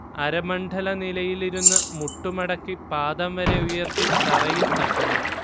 അരമണ്ഡല നിലയിലിരുന്ന് മുട്ട് മടക്കി പാദം വരെ ഉയർത്തി തറയിൽ തട്ടുന്നു